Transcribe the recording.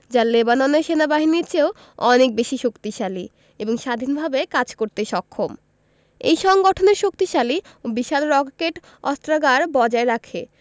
যা লেবাননের সেনাবাহিনীর চেয়েও অনেক বেশি শক্তিশালী এবং স্বাধীনভাবে কাজ করতে সক্ষম এই সংগঠনের শক্তিশালী ও বিশাল রকেট অস্ত্রাগার বজায় রাখে